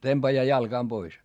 tempaa jalkaa pois